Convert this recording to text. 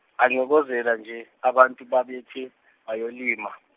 baxokozela nje abantu, babethe bayolima.